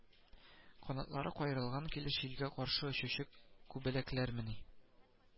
Канатлары каерылган килеш илгә каршы очучы күбәләкләрмени